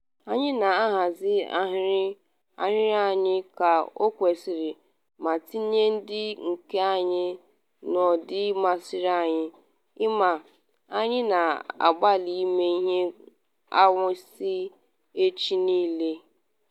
Anyị na-ahazi ahịrị anyị ka ọ kwesịrị ma tinye ndị nke anyị n’ụdị masịrị anyị, ịma, anyị na-agbalị ime ihe anwansi echi niile.”